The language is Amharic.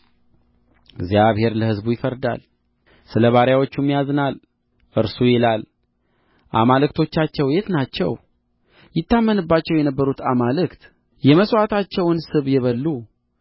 እግዚአብሔር ለሕዝቡ ይፈርዳል ስለ ባሪያዎቹም ያዝናል እርሱም ይላል አማልክቶቻቸው የት ናቸው ይታመኑባቸው የነበሩት አማልክት የመሥዋዕታቸውን ስብ የበሉ